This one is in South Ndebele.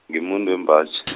ngimumuntu wembaji .